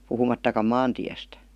puhumattakaan maantiestä